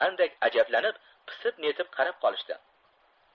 andak ajablanib pisib netib qarab qolishdi